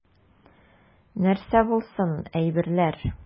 Нәрсә булсын, әйберләр.